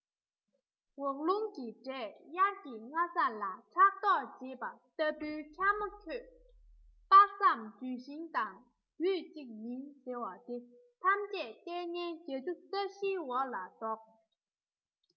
འོག རླུང གི སྒྲས དབྱར གྱི རྔ བསངས ལ ཕྲག དོག བྱེད པ ལྟ བུའི འཁྱམས མོ ཁྱོད དཔག བསམ ལྗོན ཤིང དང རྒྱུད གཅིག ཡིན ཟེར བ འདི ཐམས ཅད ལྟས ངན བརྒྱད ཅུ རྩ བཞིའི འོག ལ བཟློག